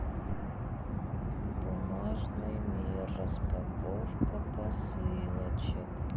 бумажный мир распаковка посылочек